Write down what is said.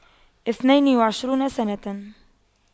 اثنين وعشرون سنة